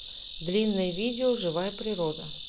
длинное видео живая природа